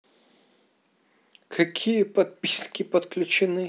какие подписки подключены